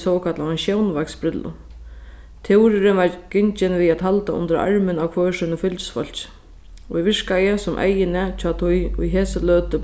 sokallaðum sjónveiksbrillum túrurin var gingin við at halda undir armin á hvør sínum fylgisfólki ið virkaði sum eyguni hjá tí í hesi løtu